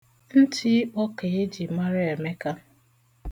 Ntị ịkpọ ka eji mara Emeka.